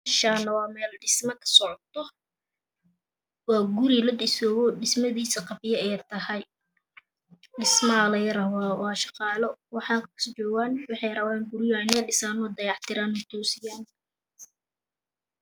Meeshaani waa meel dhismo kasocdo. Waa guri ladhisooyo dhismadiisu qabyo aytahay waxaa laga rabaa dhismo. Waa shaqaalo waxay rabaan inay gurigaan dhisaan oo dayac tiraan.